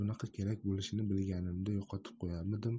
bunaqa kerak bo'lishini bilganimda yo'qotib qo'yarmidim